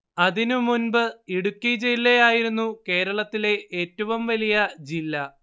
അതിനു മുൻപ് ഇടുക്കി ജില്ലയായിരുന്നു കേരളത്തിലെ ഏറ്റവും വലിയ ജില്ല